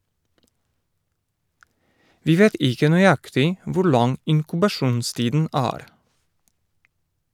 - Vi vet ikke nøyaktig hvor lang inkubasjonstiden er.